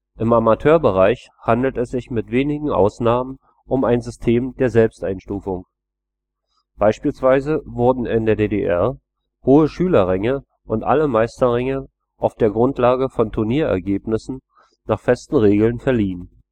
Im Amateurbereich handelt es sich mit wenigen Ausnahmen um ein System der Selbsteinstufung. Beispielsweise wurden in der DDR hohe Schülerränge und alle Meisterränge auf der Grundlage von Turnierergebnissen nach festen Regeln verliehen